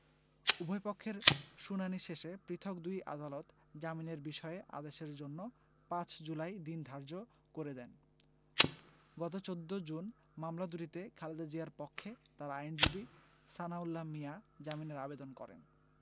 উভয়পক্ষের শুনানি শেষে পৃথক দুই আদালত জামিনের বিষয়ে আদেশের জন্য ৫ জুলাই দিন ধার্য করে দেন গত ১৪ জুন মামলা দুটিতে খালেদা জিয়ার পক্ষে তার আইনজীবী সানাউল্লাহ মিয়া জামিনের আবেদন করেন